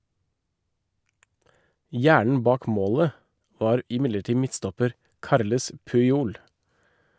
Hjernen bak målet var imidlertid midtstopper Carles Puyol.